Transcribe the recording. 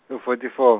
u- fourty four.